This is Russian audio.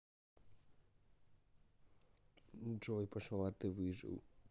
джой пошла ты выжил